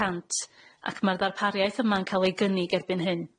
cant ac ma'r ddarpariaeth yma'n ca'l ei gynnig erbyn hyn.